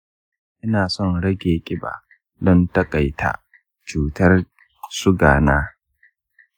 ina son rage ƙiba don taƙaita cutae suga na.